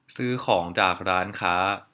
ซื้อของจากร้านค้า